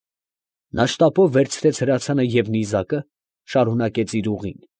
Նա շտապով վերցրեց հրացանը և նիզակը, շարունակեց իր ուղին։